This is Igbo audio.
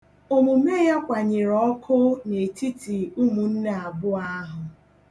Omume ya kwanyere ọkụ n'etiti ụmụnne abụọ ahụ.